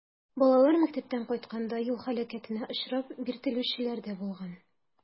Балалар мәктәптән кайтканда юл һәлакәтенә очрап, биртелүчеләр дә булган.